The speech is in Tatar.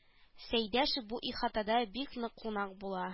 Сәйдәшев бу ихатада бик нык кунак була